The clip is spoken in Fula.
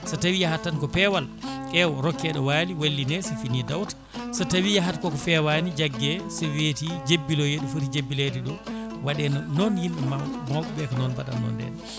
so tawi yaahata tan ko peewal heew rokke ɗo waali walline so fiini dawa so tawi yaahata koko fewani jaggue so weeti jebbiloyo ɗo jebbilede ɗo waɗe noon yimɓe mbano mawɓe ɓe ko noon mbaɗanno nden